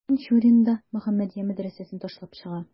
Тинчурин да «Мөхәммәдия» мәдрәсәсен ташлап чыга.